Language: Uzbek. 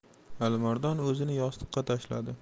alimardon o'zini yostiqqa tashladi